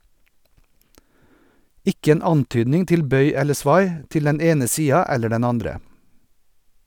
Ikke en antydning til bøy eller svai, til den ene sida eller den andre.